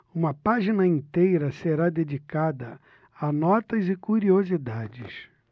uma página inteira será dedicada a notas e curiosidades